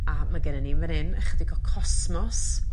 a ma' gennyn ni man 'yn ychydig o cosmos